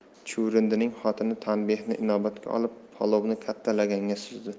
chuvrindining xotini tanbehni inobatga olib palovni katta laganga suzdi